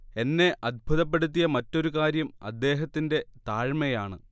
എന്നെ അദ്ഭുതപ്പെടുത്തിയ മറ്റൊരു കാര്യം അദ്ദേഹത്തിന്റെ താഴ്മയാണ്